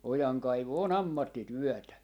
ojankaivu on ammattityötä